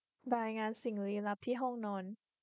รายงานสิ่งลี้ลับที่ห้องนอน